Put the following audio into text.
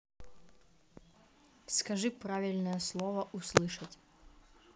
скажи правильное слово услышать